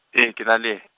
e ke na le.